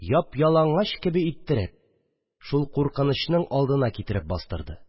Яп-ялангач кеби иттереп, шул куркынычның алдына китереп бастырды